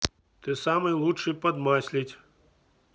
ты самый лучший подмаслить